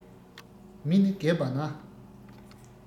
མི ནི རྒས པ ན